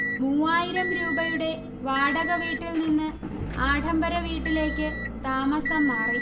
മൂവായിരം രൂപയുടെ വാടകവീട്ടിൽ നിന്ന് ആഢംബര വീട്ടിലേക്ക് താമസം മാറി